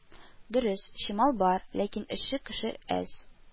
Дөрес, чимал бар, ләкин эшче көче әз